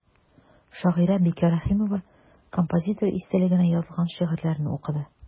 Шагыйрә Бикә Рәхимова композитор истәлегенә язылган шигырьләрен укыды.